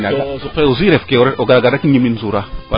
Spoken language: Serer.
to suqi aussi ref ke o garrek ñimin suura